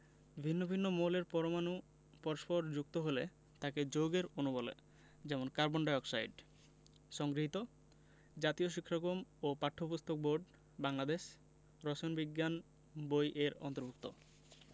ভিন্ন ভিন্ন মৌলের পরমাণু পরস্পর যুক্ত হলে তাকে যৌগের অণু বলে যেমন কার্বন ডাই অক্সাইড সংগৃহীত জাতীয় শিক্ষাক্রম ও পাঠ্যপুস্তক বোর্ড বাংলাদেশ রসায়ন বিজ্ঞান বই এর অন্তর্ভুক্ত